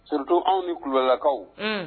Stu anw ni kulakaw